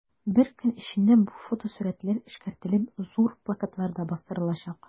Бер көн эчендә бу фотосурәтләр эшкәртелеп, зур плакатларда бастырылачак.